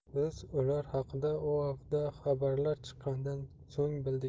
biz ular haqida oavda xabarlar chiqqanidan so'ng bildik